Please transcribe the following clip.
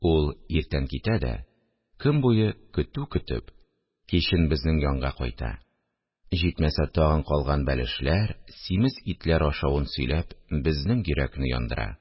Ул иртән китә дә, көн буе көтү көтеп, кичен безнең янга кайта, җитмәсә тагын, калган бәлешләр, симез итләр ашавын сөйләп, безнең йөрәкне яндыра: